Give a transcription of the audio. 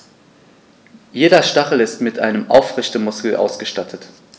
Jeder Stachel ist mit einem Aufrichtemuskel ausgestattet.